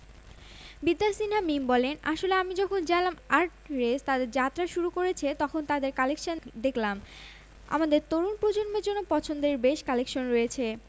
চলচ্চিত্রটির নির্মাতা সোহেল রানা বয়াতি গার্মেন্টস খাত জাতীয় আয়ের একটি বিশাল অংশ সরবারহ করে কিন্তু যেসব কর্মীরা এই আয় করে তাদের জীবন স্বাভাবিক ভাবে চলে না